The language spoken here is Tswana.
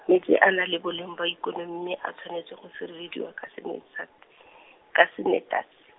metsi a na le boleng ba ikonomi mme a tshwanetse go sirelediwa ka senetsa- , ka sanetasi.